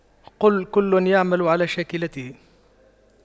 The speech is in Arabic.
قُل كُلٌّ يَعمَلُ عَلَى شَاكِلَتِهِ